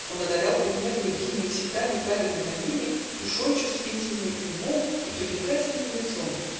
Он одарял предмет любимый, Всегда неправедно гонимый, Душой чувствительной, умом И привлекательным лицом.